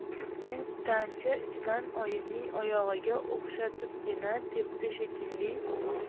u tancha ichidan oyimning oyog'iga o'xshatibgina tepdi shekilli